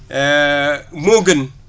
moo gën